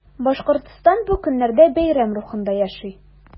Башкортстан бу көннәрдә бәйрәм рухында яши.